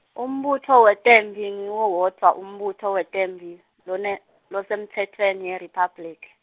umbutfo wetemphi ngiwo wodvwa umbutfo wetemphi, lone, losemtsetfweni eRiphabhulikhi.